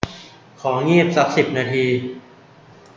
ของีบสักสิบนาที